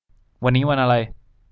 วันนี้วันอะไร